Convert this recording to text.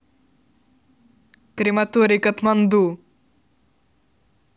крематорий катманду